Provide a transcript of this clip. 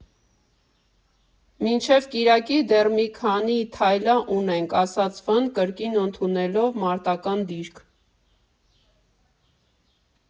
Մինչև կիրակի դեռ մի քսան թայլա ունենք, ֊ ասաց Ֆըն՝ կրկին ընդունելով մարտական դիրք։